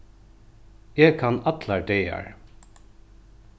eg kann allar dagar